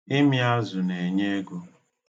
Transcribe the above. Ịmị azụ na-enye ego.